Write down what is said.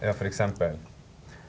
ja for eksempel?